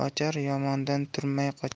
ochar yomondan turmay qochar